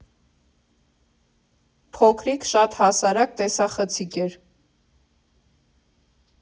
Փոքրիկ, շատ հասարակ տեսախցիկ էր։